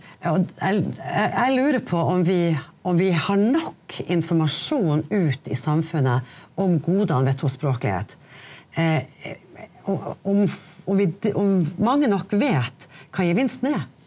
og jeg jeg lurer på om vi om vi har nok informasjon ut i samfunnet om godene ved tospråklighet om om vi om mange nok vet hva gevinsten er.